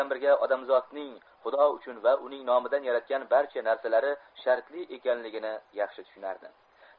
odamzotning xudo uchun va uning nomidan yaratgan barcha narsalari shartli ekanligini yaxshi tushunardi